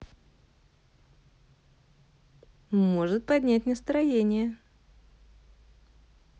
может поднять настроение